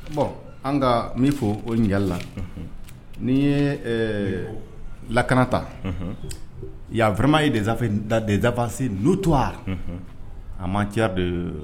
Bɔn an ka min fɔ o mi yala n'i ye lakana ta yaɛrɛma ye dezsafe da dezsafase n' to a a ma ca don